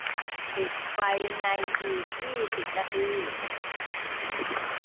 ปิดไฟในอีกยี่สิบนาที